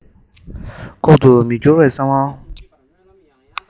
ལྐོག ཏུ མ གྱུར པའི གསང བ